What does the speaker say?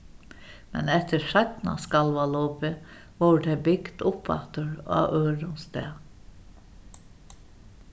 men eftir seinna skalvalopið vórðu tey bygd upp aftur á øðrum stað